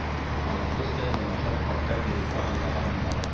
Аны көз көне Намаҗан картка бирергә уйлаганнар